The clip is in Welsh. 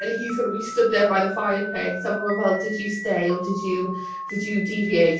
and he's going to be stood there by the fire pit, a maen nhw fel "Did you stay or did you did you deviate?"